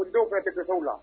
O denw bɛ tɛw la